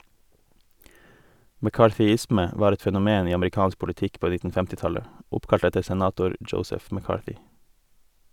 «McCarthyisme» var et fenomen i amerikansk politikk på 1950-tallet , oppkalt etter senator Joseph McCarthy.